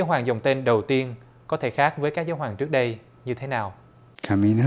hoàng dòng tên đầu tiên có thể khác với ca dao hoàng trước đây như thế nào ca mi na